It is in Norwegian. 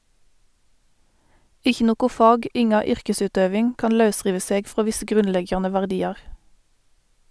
Ikkje noko fag, inga yrkesutøving, kan lausrive seg frå visse grunnleggjande verdiar.